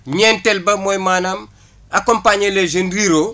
ñeenteel ba mooy manaam accompagner les jeunes ruraux